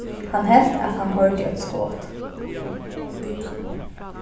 hann helt at hann hoyrdi eitt skot